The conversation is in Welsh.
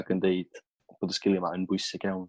ac yn deud bod y sgilia 'ma yn bwysig iawn